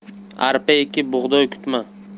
arpa ekib bug'doy kutma